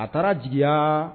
A taar'a jigiya